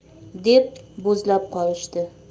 deb bo'zlab qolishdi